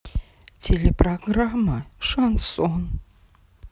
телепрограмма шансон